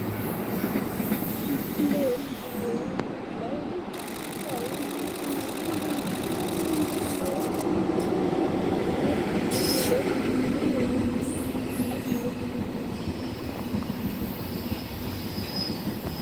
Plane bu wekh buy daw si kaw mungi ameh bindi yu netteh bindi yu wekh mungi ameh lu bulo lu wekh ak lu netteh.